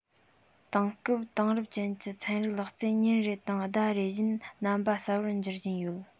དེང སྐབས དེང རབས ཀྱི ཚན རིག ལག རྩལ ཉིན རེ དང ཟླ རེ བཞིན རྣམ པ གསར པར འགྱུར བཞིན ཡོད